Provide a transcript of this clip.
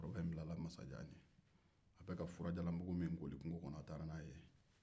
cɛkɔrɔba in bilara masajan ɲɛ a taara n'a ye a ka furajalanbugu la